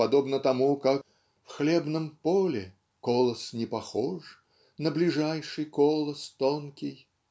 подобно тому как "в хлебном поле колос не похож на ближайший колос тонкий"